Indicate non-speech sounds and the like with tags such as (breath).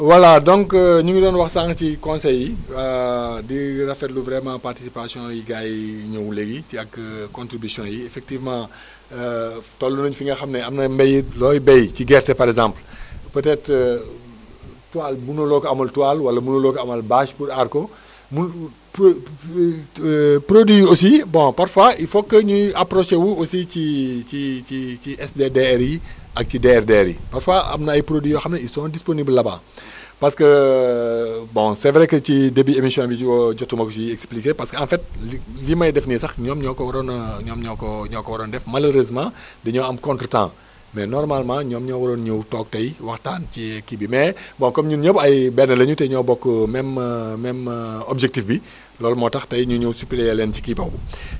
voilà donc (hesitation) ñu ngi doon wax sànq ci conseils yi (hesitation) di rafetlu vraiment participations yi gars yi ñëw léegi ci ak contributions yi effectivement (breath) (hesitation) toll nañu fi nga xam ne am na mbéy it looy béy ci gerte par exemple (breath) peut être (hesitation) toile mënuloo ko amal toile wala mënuloo ko amal bâche pour aar ko (breath) mën (hesitation) produits yi aussi bon parfois il faut que ñuy approché wu aussi ci ci ci ci SDDR yi (breath) ak ci DRDR yi parfois am na ay produits yoo xam ne ils sont disponibles là bas (breath) parce que (hesitation) bon c' est vrai que ci début émission bi (hesitation) jotuma ko si expliqué parce que en fait yi yi may def nii sax ñoom ñoo ko waroon a (hesitation) ñoom ñoo ko ñoo ko waroon a def malheureusement (breath) dañoo am contre temps mais normalement ñoom ñoo waroon ñëw toog tey waxtaan ci kii bi mais bon comme ñun ñëpp ay benn lañu te ñoo bokk même (hesitation) mëme (hesitation) objectif bi (breath) loolu moo tax tey ñu ñëw supplé leen ci kii boobu (breath)